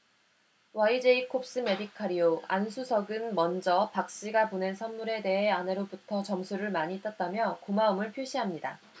와이제이콥스메디칼이요 안 수석은 먼저 박 씨가 보낸 선물에 대해 아내로부터 점수를 많이 땄다며 고마움을 표시합니다